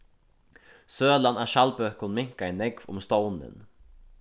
sølan av skjaldbøkum minkaði nógv um stovnin